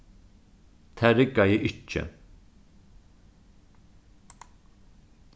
tað riggaði ikki